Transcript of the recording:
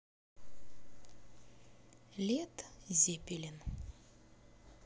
лед зепелин